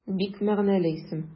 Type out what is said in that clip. Бик мәгънәле исем.